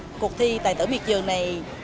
cuộc thi tài tử miệt vườn này